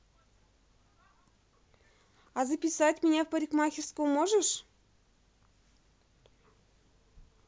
а записать меня в парикмахерскую можешь